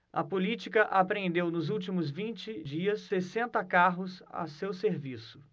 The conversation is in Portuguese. a polícia apreendeu nos últimos vinte dias sessenta carros a seu serviço